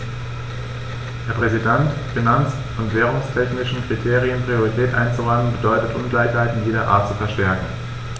Herr Präsident, finanz- und währungstechnischen Kriterien Priorität einzuräumen, bedeutet Ungleichheiten jeder Art zu verstärken.